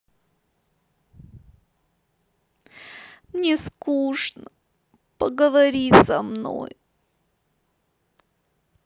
мне скучно поговори со мной